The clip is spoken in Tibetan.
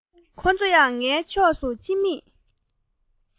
ཁོ ཚོ ཡང ངའི ཕྱོགས སུ ཕྱི མིག